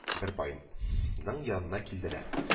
Бер байның янына килделәр